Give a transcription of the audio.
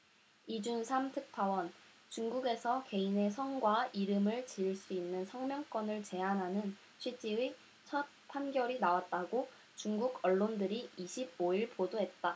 이준삼 특파원 중국에서 개인의 성과 이름을 지을 수 있는 성명권을 제한하는 취지의 첫 판결이 나왔다고 중국언론들이 이십 오 일 보도했다